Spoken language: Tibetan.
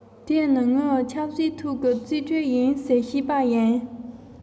ཁྱེད ཚོར གནད དོན འཕྲད ནས ང བཙལ བར ཡོང ན ཇུས གཏོགས མི བྱེད པ བྱས མ ཡོང